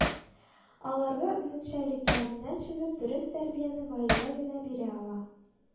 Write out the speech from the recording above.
Аларга үзенчәлекләреннән чыгып дөрес тәрбияне гаилә генә бирә ала